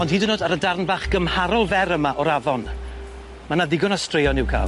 Ond hyd yn o'd ar y darn bach gymharol fer yma o'r afon, ma' 'na ddigon o straeon i'w ca'l.